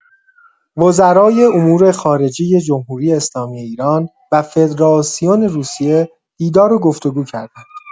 وزرای امور خارجه جمهوری‌اسلامی ایران و فدراسیون روسیه دیدار و گفت‌وگو کردند.